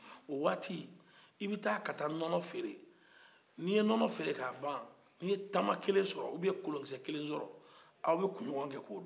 o waati i bɛ taa ka taa nɔnɔ feere n'i ye nɔnɔ feere k'a ban n'i ye taman ubiyɛn kolonkisɛ kelen sɔrɔ a bɛ kɛ k'o dun